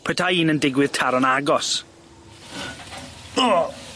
petai un yn digwydd taro'n agos. O!